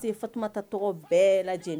Fatuma ta tɔgɔ bɛɛ lajɛ